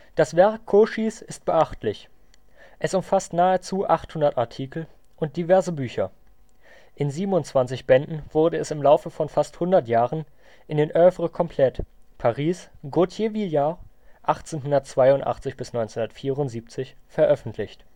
Das Werk Cauchys ist beachtlich: es umfasst nahezu 800 Artikel und diverse Bücher. In 27 Bänden wurde es im Laufe von fast 100 Jahren in den Œuvres complètes, Paris, Gauthier-Villars, 1882 – 1974, veröffentlicht